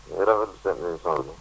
ñu ngi rafetlu seen émission bi